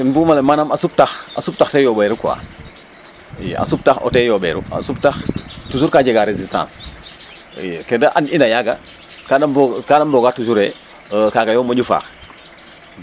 ken buguuma lay a suptax te yooɓeeru quoi i a suptax ten yooɓeeru a suptax toujours kaa jegaa resistance i ke da and'ina yaaga ka da boogaa toujours e kaaga yo moƴu faax